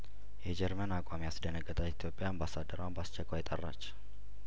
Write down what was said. የጀርመን አቋም ያስደነገጣት ኢትዮጵያ አምባሳደሯን በአስቸኳይ ጠራች